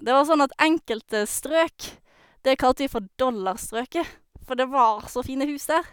Det var sånn at enkelte strøk det kalte vi for dollarstrøket, for det var så fine hus der.